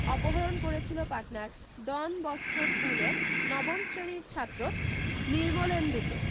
অপহরণ করেছিল পাটনার ডন বসকো স্কুলের নবম শ্রেণীর ছাত্র নির্মলেন্দুকে